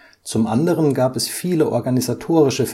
Zum anderen gab es viele organisatorische